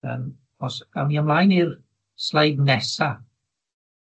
Yym os awn ni ymlaen i'r sleid nesa.